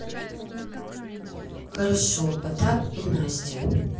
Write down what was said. хорошо потап и настя